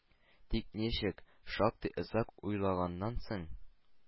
Тик ничек? Шактый озак уйлаганнан соң